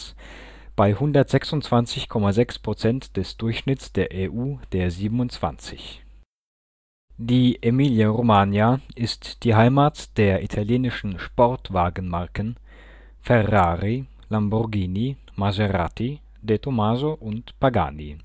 126,6 % des Durchschnitts der EU-27. Die Emilia-Romagna ist die Heimat der italienischen Sportwagen-Marken Ferrari, Lamborghini, Maserati, De Tomaso und Pagani